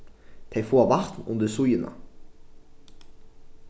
tey fáa vatn undir síðuna